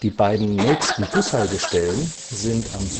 beiden nächsten Bushaltestellen sind am